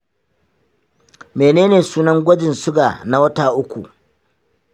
mene ne sunan gwajin suga na wata uku